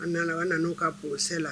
An nana, an nan'u ka procès la